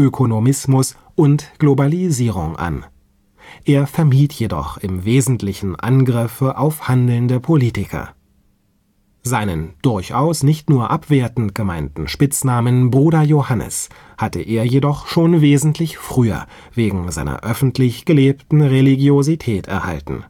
Ökonomismus und Globalisierung an. Er vermied jedoch im Wesentlichen Angriffe auf handelnde Politiker. Seinen – durchaus nicht nur abwertend gemeinten – Spitznamen „ Bruder Johannes “hatte er jedoch schon wesentlich früher wegen seiner öffentlich gelebten Religiosität erhalten